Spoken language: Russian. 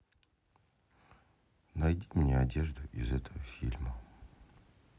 найди мне одежду из этого фильма